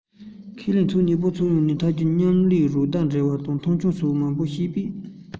ཁས ལེན ཕྱོགས གཉིས པོས ཕྱོགས ཡོངས ཀྱི འཐབ ཇུས མཉམ ལས རོགས ཟླའི འབྲེལ བ ལ མཐོང ཆེན སོགས མང པོ བཤད པས